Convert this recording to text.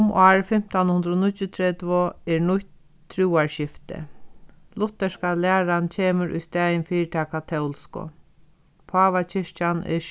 um ár fimtan hundrað og níggjuogtretivu er nýtt trúarskifti lutherska læran kemur í staðin fyri ta katólsku pávakirkjan er